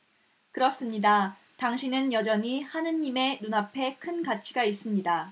그렇습니다 당신은 여전히 하느님의 눈앞에 큰 가치가 있습니다